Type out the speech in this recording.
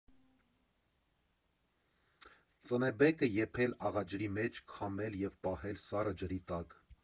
Ծնեբեկը եփել աղաջրի մեջ, քամել և պահել սառը ջրի տակ։